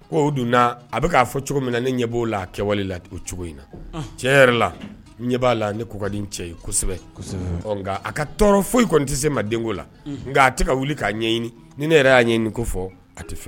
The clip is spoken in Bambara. Ko o donna a bɛ k'a fɔ cogo min na ne ɲɛ b'o la a kɛwale la o cogo in na; un; tiɲɛ yɛrɛ la, n ɲɛ b'a la ne ko ka di n cɛ ye kosɛbɛ; kosɛbɛ;ɔ nka a ka tɔɔrɔ foyi kɔnni tɛ se ma denko; unhun; la nka a tɛ ka wili k'a ɲɛɲini. Ni ne yɛrɛ y'a ɲɛnini ko fɔ a tɛ f